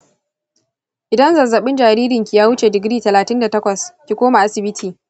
idan zazzabin jaririnki ya wuce digiri talatin da takwas, ki koma asibiti.